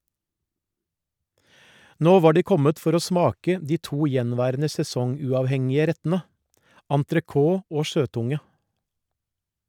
Nå var de kommet for å smake de to gjenværende sesonguavhengige rettene, entrecôte og sjøtunge.